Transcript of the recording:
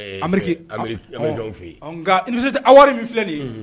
Ri fɛ yen nka a wari min filɛ de